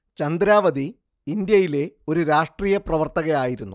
ചന്ദ്രാവതി ഇന്ത്യയിലെ ഒരു രാഷ്ട്രീയ പ്രവർത്തകയായിരുന്നു